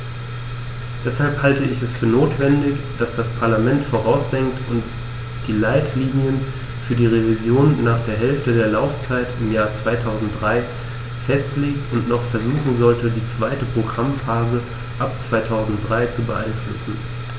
Deshalb halte ich es für notwendig, dass das Parlament vorausdenkt und die Leitlinien für die Revision nach der Hälfte der Laufzeit im Jahr 2003 festlegt und noch versuchen sollte, die zweite Programmphase ab 2003 zu beeinflussen.